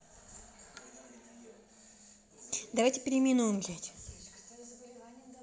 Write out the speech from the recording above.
давайте переименуем блядь